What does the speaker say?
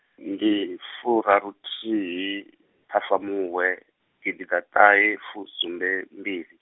ndi furarunthihi, Ṱhafamuhwe, gidiḓaṱahefusumbembili.